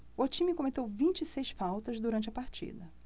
o time cometeu vinte e seis faltas durante a partida